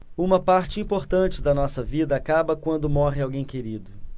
uma parte importante da nossa vida acaba quando morre alguém querido